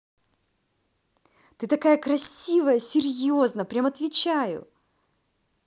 ты такая красивая серьезно прям отвечаю